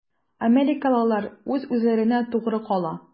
Америкалылар үз-үзләренә тугры кала.